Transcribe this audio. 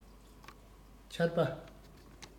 ཆར པ